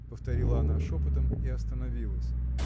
— повторила она шепотом и остановилась.